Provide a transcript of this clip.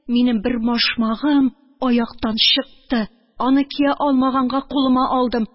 Минем бер башмагым аяктан чыкты, аны, кия алмаганга, кулыма алдым.